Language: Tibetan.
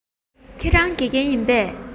ཁྱེད རང དགེ རྒན རེད པས